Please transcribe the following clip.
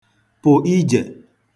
pụ̀ ijè